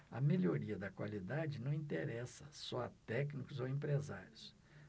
a melhoria da qualidade não interessa só a técnicos ou empresários